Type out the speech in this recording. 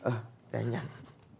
ờ để anh nhắn